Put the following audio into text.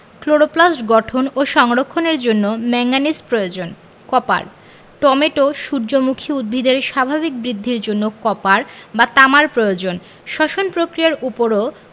chloroplast গঠন ও সংরক্ষণের জন্য ম্যাংগানিজ প্রয়োজন কপার টমেটো সূর্যমুখী উদ্ভিদের স্বাভাবিক বৃদ্ধির জন্য কপার বা তামার প্রয়োজন শ্বসন পক্রিয়ার উপরও